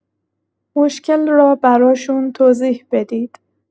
مشکل را براشون توضیح بدید.